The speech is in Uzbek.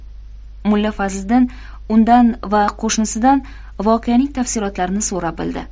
mulla fazliddin undan va qo'shnisidan voqeaning tafsilotlarini so'rab bildi